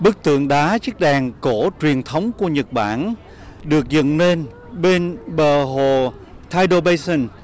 bức tượng đá chiếc đèn cổ truyền thống của nhật bản được dựng lên bên bờ hồ thai đô bây sừn